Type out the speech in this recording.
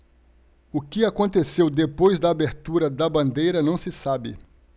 o que aconteceu depois da abertura da bandeira não se sabe